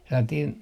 sellainen